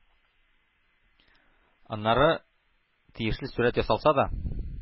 Аннары... тиешле сурәт ясалса да,